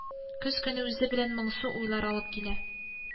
Көз көне үзе белән моңсу уйлар алып килә